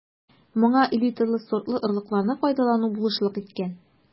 Моңа элиталы сортлы орлыкларны файдалану булышлык иткән.